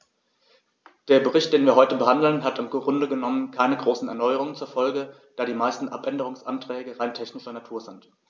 Der Bericht, den wir heute behandeln, hat im Grunde genommen keine großen Erneuerungen zur Folge, da die meisten Abänderungsanträge rein technischer Natur sind.